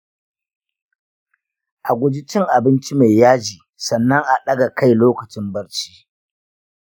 a guji cin abinci mai yaji, sannan a ɗaga kai lokacin barci.